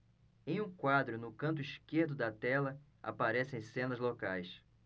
em um quadro no canto esquerdo da tela aparecem cenas locais